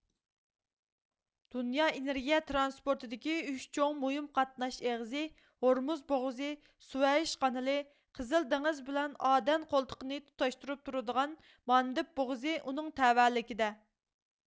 دۇنيا ئېنېرگىيە ترانسپورتىدىكى ئۈچ چوڭ مۇھىم قاتناش ئېغىزى ھورموز بوغۇزى سۇۋەيش قانىلى قىزىل دېڭىز بىلەن ئادەن قولتۇقىنى تۇتاشتۇرۇپ تۇرىدىغان ماندېب بوغۇزى ئۇنىڭ تەۋەلىكىدە